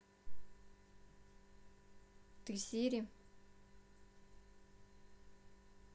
ты сири